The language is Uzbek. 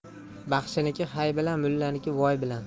baxshiniki hay bilan mullaniki voy bilan